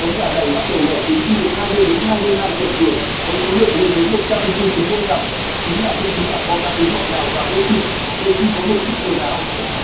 giống gà này bắt đầu đẻ trứng khi được tuần tuổi với số lượng lên đến trứng mỗi năm chúng là những chú gà có cá tính ngọt ngào và dễ chịu đôi khi có một chút ồn ào